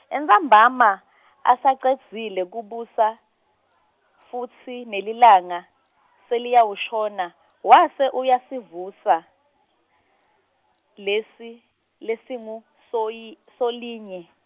entsambama , asacedzile kubusa, futsi, nelilanga, seliyawashona, wase uyasivusa, lesi, lesinguSoyi-, Solinye.